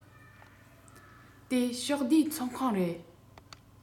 དེ ཕྱོགས བསྡུས ཚོགས ཁང རེད